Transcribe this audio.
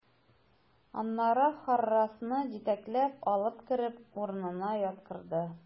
Аннары Харрасны җитәкләп алып кереп, урынына яткырды.